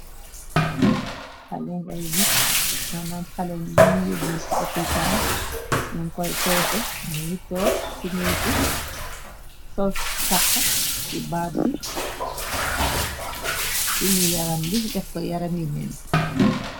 Xale ngay bis manam xalen biñ yubbu ci opitan yun koy peese mu mitoo simiku sol saka ci baab bi simi yaram bi def ko yaramineen.